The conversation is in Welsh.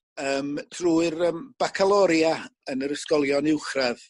yym drwy'r yym bacaloria yn yr ysgolion uwchradd